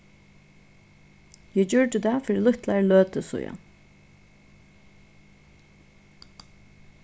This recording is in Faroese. eg gjørdi tað fyri lítlari løtu síðan